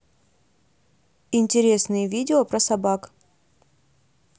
интересные видео про собак